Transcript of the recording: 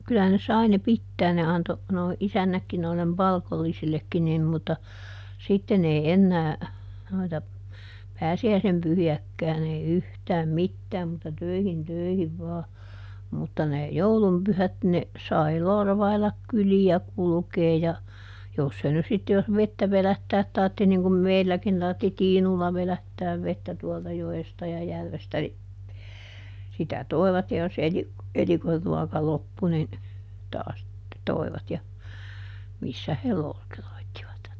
kyllähän ne sai ne pitää ne antoi nuo isännätkin noille palkollisillekin niin mutta sitten ei enää noita pääsiäisen pyhiäkään ei yhtään mitään mutta töihin töihin vain mutta ne joulun pyhät ne sai lorvailla kyliä kulkea ja jos se nyt sitten jos vettä vedättää tarvitsi niin kuin meilläkin tarvitsi tiinulla vedättää vettä tuolta joesta ja järvestä niin sitä toivat ja jos - elikonruoka loppui niin taas toivat ja missä he looteroitsivat